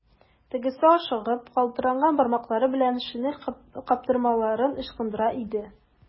Тегесе ашыгып, калтыранган бармаклары белән шинель каптырмаларын ычкындыра иде.